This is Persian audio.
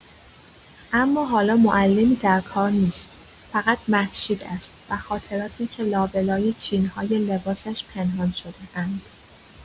اما حالا معلمی در کار نیست، فقط مهشید است و خاطراتی که لابه‌لای چین‌های لباسش پنهان شده‌اند.